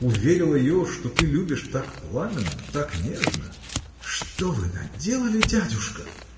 уверил ее, что ты любишь так пламенно, так нежно. – Что вы наделали, дядюшка!